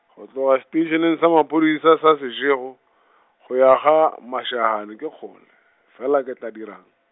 go tloga seteišeneng sa maphodisa sa Seshego , go ya gaMashashane ke kgole, fela ke tla dirang?